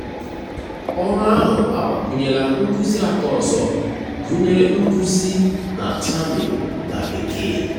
Ọrụ ahụ agbakwunyela nkuzi atọ ọzọ, gụnyere nkuzi na Tamil na Bekee.